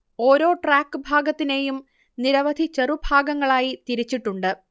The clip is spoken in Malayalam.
ഓരോ ട്രാക്ക് ഭാഗത്തിനെയും നിരവധി ചെറു ഭാഗങ്ങളായി തിരിച്ചിട്ടുണ്ട്